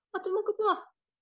Na dwi'm yn gwbo